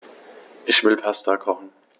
Ich will Pasta kochen.